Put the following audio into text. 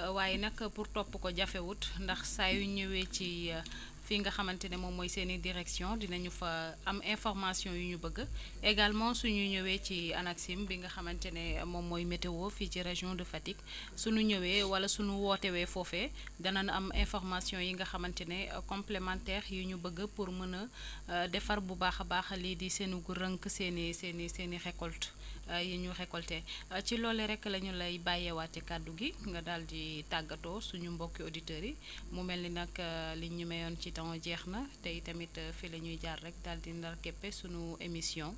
waaye nag pour topp ko jafewut ndax saa yu ñëwee ci fi nga xamante ni moom mooy seen i directions dinañu fa am information yu ñu bëgg également suñu ñëwee ci ANACIM bi nga xamante ne moom mooy météo fii ci région Fatick suñu ñëwee wala suñu wootewee foofee danan am information yi nga xamante ne complémentaires yi ñu bëgg pour mën a defar bu baax a baax lii di seenug rënk seen i seen i seen i récoltes yi ñu récolté ci loolee rek la ñu lay bàyyeewaate kaddu gi nga daal di tàggatoo suñu mbokki auditeurs yi mu mel ni nag liñ ñu mayoon ci temps jeex na te i tamit fii la ñuy jaar rek daal di ndar keppe sunu émission